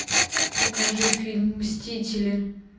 покажи фильм мстители